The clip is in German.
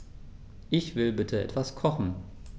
Ich will bitte etwas kochen.